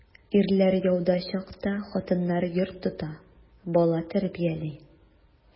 Ирләр яуда чакта хатыннар йорт тота, бала тәрбияли.